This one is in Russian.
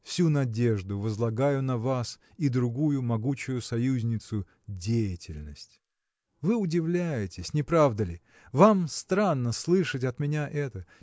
Всю надежду возлагаю на вас и другую, могучую союзницу – деятельность. Вы удивляетесь – не правда ли? Вам странно слышать от меня это?